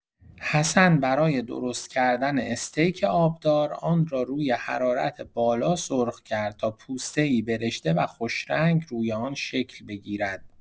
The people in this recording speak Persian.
حسن برای درست‌کردن استیک آبدار، آن را روی حرارت بالا سرخ کرد تا پوسته‌ای برشته و خوش‌رنگ روی آن شکل بگیرد.